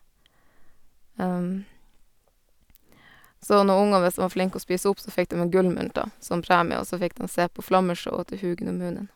Så noen unger, hvis dem var flink å spise opp så fikk dem en gullmynt, da, som premie, og så fikk dem se på flammeshowet til Hugin og Munin.